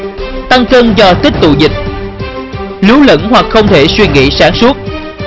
tăng cân do tích tụ dịch nếu lẫn hoặc không thể suy nghĩ sáng suốt